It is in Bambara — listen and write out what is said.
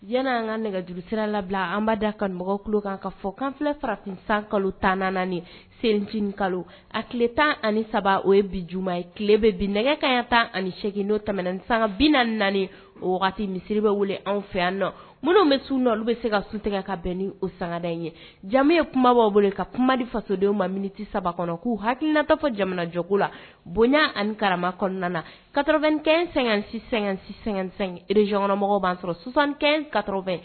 Diɲɛ an ka nɛgɛjsira labila anba da ka mɔgɔ ku kan ka fɔ kanfi sarati san kalo tanan sec kalo a tile tan ani saba o ye bi juuma ye tile nɛgɛ kaya tan ani8gin n'o tɛmɛn san bi o misisiriri bɛ wele an fɛ an nɔ minnu bɛ sun na olu u bɛ se ka sutigɛ ka bɛn ni o sangada ye ja ye kuma b' bolo ka kuma ni fasodenw ma miniti saba kɔnɔ k'u hakiinata fɔ jamanajɔgo la bonya ani karama kɔnɔna na ka2---sɛ-sɛ-sɛreyɔnkɔnɔmɔgɔ b'an sɔrɔ sonsan kabɛ